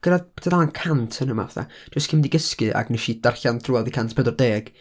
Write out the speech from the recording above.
gyrradd tudalen cant, heno 'ma, fatha, jyst cyn mynd i gysgu, ac wnes i darllen drwodd i cant pedwar deg.